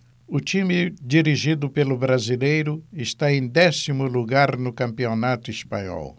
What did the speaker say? o time dirigido pelo brasileiro está em décimo lugar no campeonato espanhol